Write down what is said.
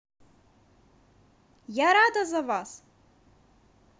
я рада за вас